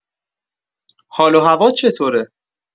حال و هوات چطوره؟